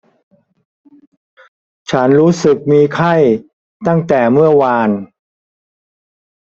ฉันรู้สึกมีไข้ตั้งแต่เมื่อวาน